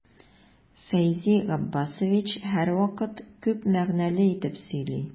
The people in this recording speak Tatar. Фәйзи Габбасович һәрвакыт күп мәгънәле итеп сөйли.